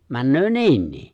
menee niinkin